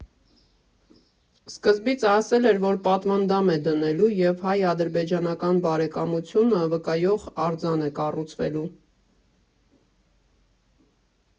Սկզբից ասել էր, որ պատվանդան է դնելու և հայ֊ադրբեջանական բարեկամությունը վկայող արձան է կառուցվելու։